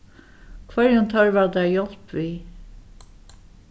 hvørjum tørvar tær hjálp við